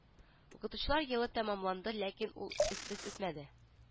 Укытучылар елы тәмамланды ләкин ул эзсез үтмәде